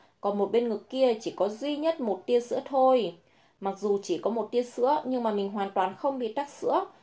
còn bên ngực kia chỉ có duy nhất tia sữa thôi mặc dù chỉ có tia sữa nhưng mà mình hoàn toàn không bị tắc sữa